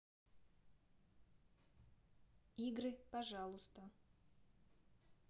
игры пожалуйста